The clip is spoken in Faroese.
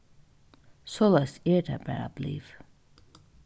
soleiðis er tað bara blivið